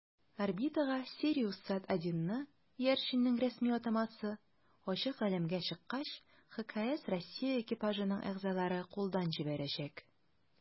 Орбитага "СириусСат-1"ны (иярченнең рәсми атамасы) ачык галәмгә чыккач ХКС Россия экипажының әгъзалары кулдан җибәрәчәк.